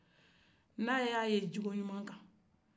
ni a ye a ye cogo ɲuman kan